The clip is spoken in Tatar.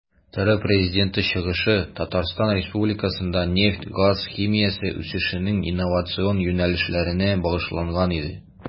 ТР Президенты чыгышы Татарстан Республикасында нефть-газ химиясе үсешенең инновацион юнәлешләренә багышланган иде.